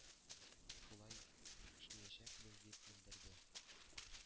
Шулай эшләячәкбез”, – дип белдерде.